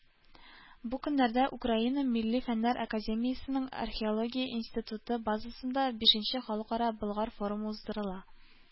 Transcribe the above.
Бу көннәрдә Украина Милли фәннәр академиясенең Археология институты базасында бишенче Халыкара Болгар форумы уздырыла.